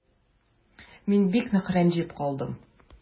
Мин бик нык рәнҗеп калдым.